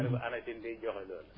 ma ne ko ANACIM day joxe loolu